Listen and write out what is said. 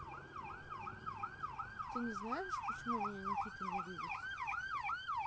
ты не знаешь почему меня никита не любит